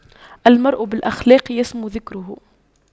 المرء بالأخلاق يسمو ذكره